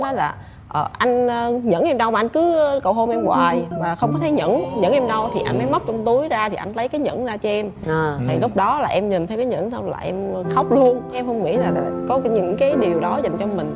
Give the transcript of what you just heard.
nói là anh nhẫn em đâu mà anh cứ cầu hôn em hoài mà không có thấy nhẫn nhẫn em đâu thì anh mới móc trong túi ra thì anh lấy cái nhẫn ra cho em thì lúc đó là em nhìn thấy cái nhẫn xong là em khóc luôn em không nghĩ là có những cái điều đó dành cho mình